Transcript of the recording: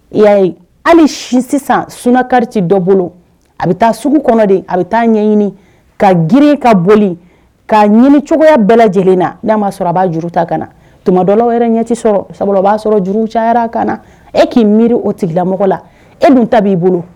Ya hali sin sisan sun kariti dɔ bolo a bɛ taa sugu kɔnɔ de a bɛ taa ɲɛɲini ka g ka boli ka ɲini cogoyaya bɛɛ lajɛlen na n'a m'a sɔrɔ a b'a juru ta ka na tuma dɔwlaw yɛrɛ ɲɛti sɔrɔ sabula o b'a sɔrɔ juru cayara a ka na e k'i miiri o tigilamɔgɔ la e dun ta b'i bolo